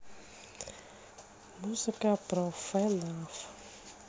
музыка про фнаф